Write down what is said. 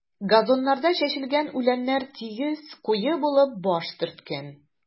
Газоннарда чәчелгән үләннәр тигез, куе булып баш төрткән.